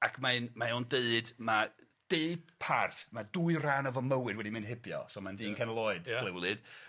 ac mae'n mae o'n deud ma' deu parth, ma' dwy rhan o fy mywyd wedi mynd hibio, so mae'n ddyn canol oed... Ia. ...Glewlyd.